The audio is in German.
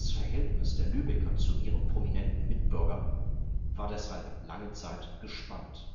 Verhältnis der Lübecker zu ihrem prominenten Mitbürger war deshalb lange Zeit gespannt